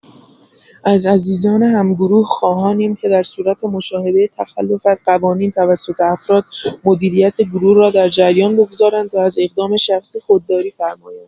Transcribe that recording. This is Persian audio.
از عزیزان همگروه خواهانیم که در صورت مشاهده تخلف از قوانین توسط افراد، مدیریت گروه را در جریان بگذارند و از اقدام شخصی خودداری فرمایند.